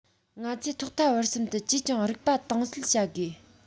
ང ཚོས ཐོག མཐའ བར གསུམ དུ ཅིས ཀྱང རིག པ དྭངས གསལ བྱ དགོས